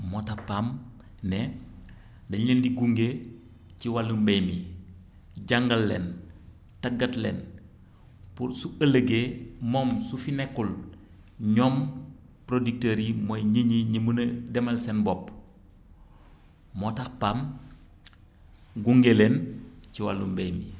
moo tax PAM ne dañu leen di gunge ci wàllum mbay mi jàngal leen tàggat leen pour su ëllëgee moom su fi nekkul ñoom producteurs yi mooy ñi ñi ñi mën a demal seen bopp moo tax PAM gunge leen ci wàllum mbay mi